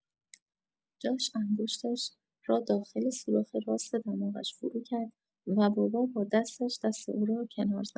جاش انگشتش را داخل سوراخ راست دماغش فروکرد و بابا با دستش دست او را کنار زد.